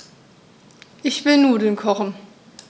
Ich will Nudeln kochen.